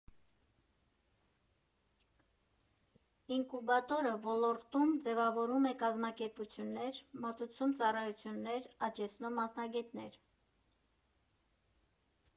Ինկուբատորը ոլորտում ձևավորում է կազմակերպություններ, մատուցում ծառայություններ, աճեցնում մասնագետներ։